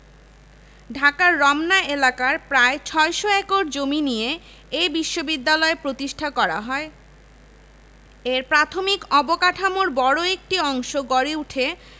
ক্রীড়াঃ কাবাডি জাতীয় ক্রীড়া football cricket hockey tennis badminton volleyball handball দাবা ক্যারম ইত্যাদি